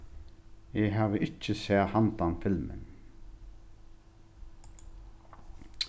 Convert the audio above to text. eg havi ikki sæð handan filmin